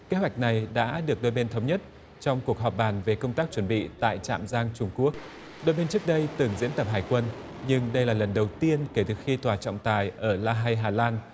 kế hoạch này đã được đôi bên thống nhất trong cuộc họp bàn về công tác chuẩn bị tại trạm giang trung quốc đưa tin trước đây từng diễn tập hải quân nhưng đây là lần đầu tiên kể từ khi tòa trọng tài ở la hay hà lan